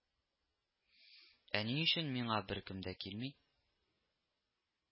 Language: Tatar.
— ә ни өчен миңа беркем дә килми